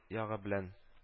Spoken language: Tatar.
Ягы белән